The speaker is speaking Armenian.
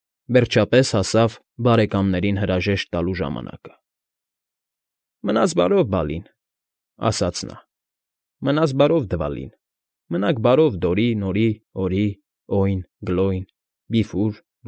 Վերջապես հասավ բարեկամներին հրաժեշտ տալու ժամանակը։ ֊ Մնաս բարով, Բալին,֊ ասաց նա։֊ Մնաս բարով, Դվալին, մնաք բարով, Դորի, Նորի, Օրի, Օյն, Գլոյն, Բիֆուր,